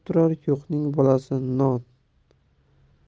turar yo'qning bolasi non